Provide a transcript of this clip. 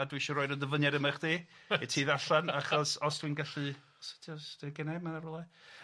a dwi isie roid y ddyfyniad yma i chdi ... Reit. ...i ti ddarllan achos os dwi'n gallu os ti- os dwi gynnau yma yn rwle